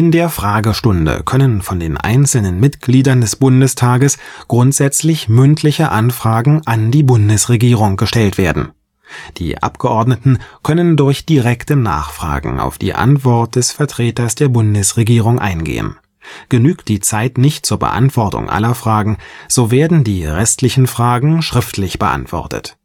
der Fragestunde können von den einzelnen Mitgliedern des Bundestages grundsätzlich mündliche Anfragen an die Bundesregierung gestellt werden. Die Abgeordneten können durch direkte Nachfragen auf die Antwort des Vertreters der Bundesregierung eingehen. Genügt die Zeit nicht zur Beantwortung aller Fragen, so werden die restlichen Fragen schriftlich beantwortet